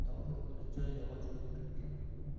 tohir o'zicha yog'och ko'prik